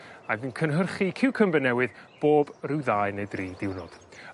ac fu'n cynhyrchu ciwcymbyr newydd bob ryw ddau neu dri diwrnod.